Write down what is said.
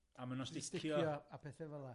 A ma' nw'n sticio... Yn sticio a pethe fel 'a.